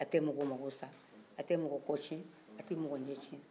a tɛ mɔgɔ mako sa a tɛ mɔgɔ ko ciɲɛ a tɛ mɔgɔ ɲɛ ciɲɛ